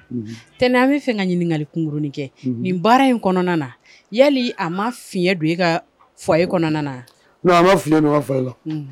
Tɛnɛn an bɛ ka ɲininkali kɛ nin baara in na ya a ma fiɲɛ don ka f